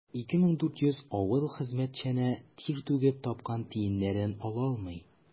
2400 авыл хезмәтчәне тир түгеп тапкан тиеннәрен ала алмый.